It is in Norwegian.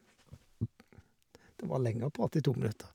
Det var lenge å prate i to minutter.